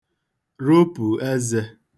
ropụ̀ ezē